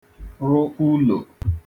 rụ ulò